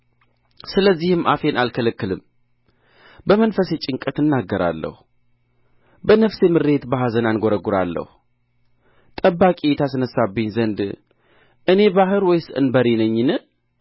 ስለዚህም አፌን አልከለክልም በመንፈሴ ጭንቀትን እናገራለሁ በነፍሴ ምሬት በኀዘን አንጐራጕራለሁ ጠባቂ ታስነሣብኝ ዘንድ እኔ ባሕር ወይስ አንበሪ ነኝን